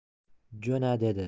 jo'na dedi